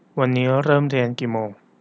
วันนี้เริ่มเรียนกี่โมง